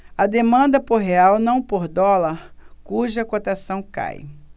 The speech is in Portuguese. há demanda por real não por dólar cuja cotação cai